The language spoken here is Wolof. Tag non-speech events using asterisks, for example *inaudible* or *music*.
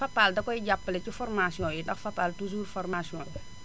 Fapal dakoy jàppale ci formations yi ndax Fapal toujours formation la *noise*